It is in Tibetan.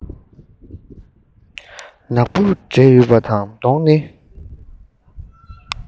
ནག པོ འདྲེས ཡོད པ དང གདོང ནི